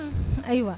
Ayiwa